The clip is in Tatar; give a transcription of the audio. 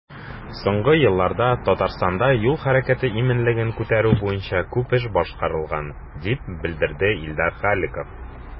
Соңгы елларда Татарстанда юл хәрәкәте иминлеген күтәрү буенча күп эш башкарылган, дип белдерде Илдар Халиков.